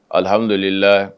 Alihamudulila